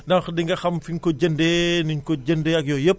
donc di nga xam fi nga ko jëndee ni nga ko jëndee ak yooyu yëpp